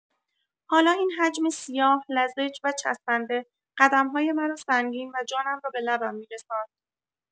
حالا این حجم سیاه، لزج و چسبنده، قدم‌های مرا سنگین و جانم را به لبم می‌رساند.